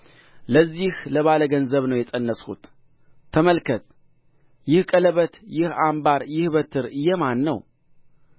ለዚህ ለባለ ገንዘብ ነው የፀነስሁት ተመልከት ይህ ቀለበት ይህ አምባር ይህ በትር የማን ነው